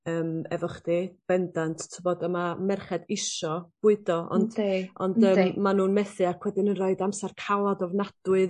yym efo chdi bendant t'bod on' 'ma merched isio bwydo ond... Yndi yndi. ...ond yym ma' nw'n methu ac wedyn yn rhoid amsar calad ofnadwy...